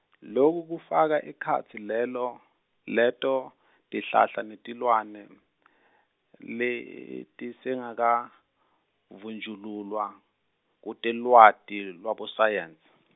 loku kufaka ekhatsi lelo, leto tihlahla netilwane letisengakavunjululwa kutelwati lwabososayensi.